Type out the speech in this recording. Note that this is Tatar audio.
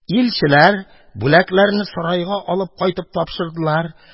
Илчеләр бүләкләрне сарайга алып кайтып тапшырдылар.